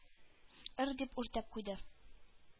- ыр-р-р! – дип, үртәп куйды.